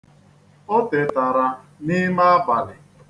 O tetara n'ime abalị.